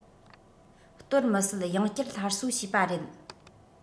གཏོར མི སྲིད ཡང བསྐྱར སླར གསོ བྱས པ རེད